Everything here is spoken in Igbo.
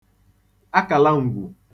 akàla ǹgwù